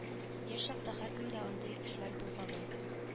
Яшь чакта һәркемдә андый эшләр булгалый